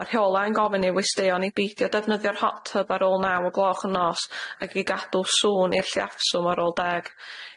Ma'r rheola' yn gofyn i'r westeion i beidio defnyddio'r hot tub ar ôl naw o'r gloch yn nos ag i gadw sŵn i'r lliafswm ar ôl deg.